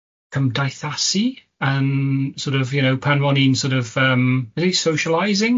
cymdeithasu yn sor' of you know, pan ro'n i'n sor' of yym, ydi socialising